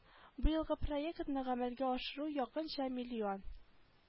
Быелгы проектны гамәлгә ашыру якынча - миллион